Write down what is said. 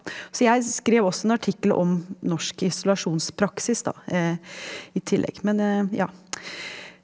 så jeg skrev også en artikkel om norsk isolasjonspraksis da i tillegg men ja.